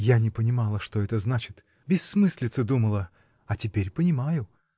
Я не понимала, что это значит, бессмыслица — думала, а теперь понимаю.